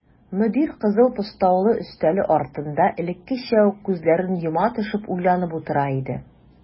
Мөдир кызыл постаулы өстәле артында элеккечә үк күзләрен йома төшеп уйланып утыра иде.